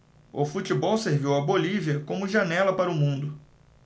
o futebol serviu à bolívia como janela para o mundo